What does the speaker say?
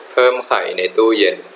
เพิ่มไข่ในตู้เย็น